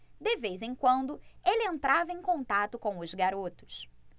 de vez em quando ele entrava em contato com os garotos